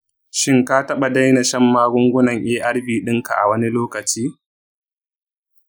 shin ka taɓa daina shan magungunan arv ɗinka a wani lokaci?